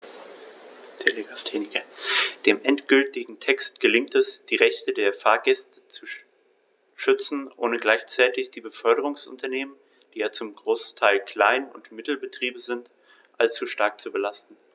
Dem endgültigen Text gelingt es, die Rechte der Fahrgäste zu schützen, ohne gleichzeitig die Beförderungsunternehmen - die ja zum Großteil Klein- und Mittelbetriebe sind - allzu stark zu belasten.